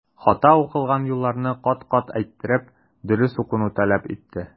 Хата укылган юлларны кат-кат әйттереп, дөрес укуны таләп итте.